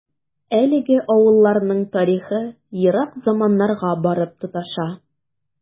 Әлеге авылларның тарихы ерак заманнарга барып тоташа.